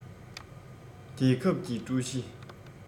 རྒྱལ ཁབ ཀྱི ཀྲུའུ ཞི